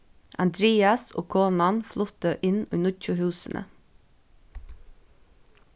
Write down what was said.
andreas og konan fluttu inn í nýggju húsini